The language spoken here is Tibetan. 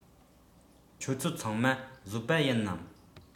ཁྱོད ཚོ ཚང མ བཟོ པ ཡིན ནམ